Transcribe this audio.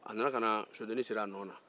a nana ka na sodennin siri a nɔ na